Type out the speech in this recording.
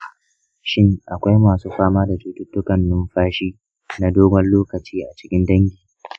shin akwai masu fama da cututtukan numfashi na dogon lokaci a cikin dangi